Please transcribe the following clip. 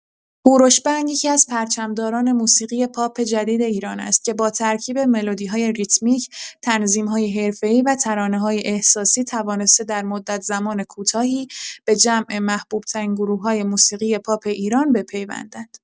هوروش بند یکی‌از پرچم‌داران موسیقی پاپ جدید ایران است که با ترکیب ملودی‌های ریتمیک، تنظیم‌های حرفه‌ای و ترانه‌های احساسی توانسته در مدت‌زمان کوتاهی به جمع محبوب‌ترین گروه‌های موسیقی پاپ ایران بپیوندد.